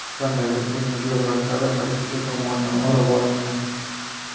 uxandagi temiryo'l vokzali politsiya tomonidan o'rab olingan